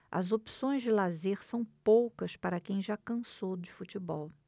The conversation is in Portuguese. as opções de lazer são poucas para quem já cansou de futebol